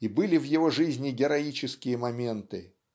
и были в его жизни героические моменты.